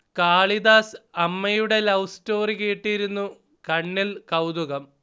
കാളിദാസ് അമ്മയുടെ love story കേട്ടിരുന്നു കണ്ണിൽ കൗതുകം